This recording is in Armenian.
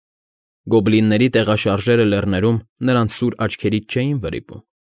Գոբլինների տեղաշարժերը լեռներում նրանց սուր աչքերից չէին վրիպում։